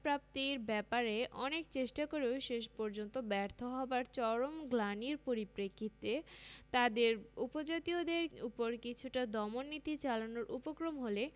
প্রাপ্তির ব্যপারে অনেক চেষ্টা করেও শেষ পর্যন্ত ব্যর্থ হবার চরম গ্লানির পরিপ্রেক্ষিতে তাদের উপজাতীয়দের ওপর কিছুটা দমন নীতি চালানোর উপক্রম হলে